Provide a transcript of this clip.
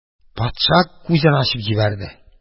Патша күзен ачып җибәрде.